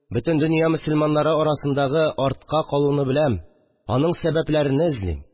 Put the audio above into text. Бөтен дөнья мөселманнары арасындагы артка калуны беләм, аның сәбәпләрене эзлим